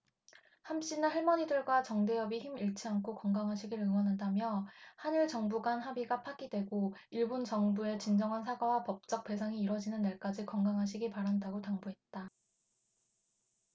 함씨는 할머니들과 정대협이 힘 잃지 않고 건강하시길 응원한다며 한일 정부 간 합의가 파기되고 일본 정부의 진정한 사과와 법적 배상이 이뤄지는 날까지 건강하시기 바란다고 당부했다